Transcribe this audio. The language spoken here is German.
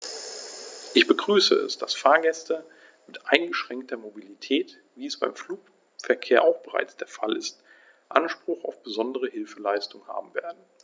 Ich begrüße es, dass Fahrgäste mit eingeschränkter Mobilität, wie es beim Flugverkehr auch bereits der Fall ist, Anspruch auf besondere Hilfeleistung haben werden.